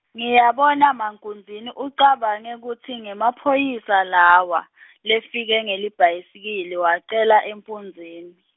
ngiyabona mankunzini ucabange kutsi ngemaphoyisa lawa , lefike ngelibhayisikili wacela empunzini.